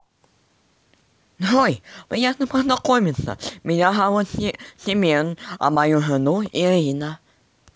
джой приятно познакомиться меня зовут семен а мою жену ирина